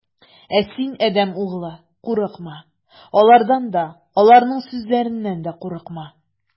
Ә син, адәм углы, курыкма алардан да, аларның сүзләреннән дә курыкма.